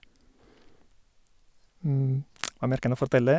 Hva mer kan jeg fortelle?